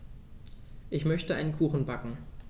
Ich möchte einen Kuchen backen.